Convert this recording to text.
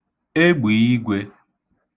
egbìigwē